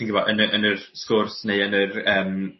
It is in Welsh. sy'n gybo' yn y yn yr sgwrs neu yn yr yym